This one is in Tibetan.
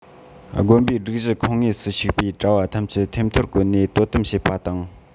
དགོན པའི སྒྲིག གཞིའི ཁོངས དངོས སུ ཞུགས པའི གྲྭ བ ཐམས ཅད ཐེམ ཐོར བཀོད ནས དོ དམ བྱེད པ དང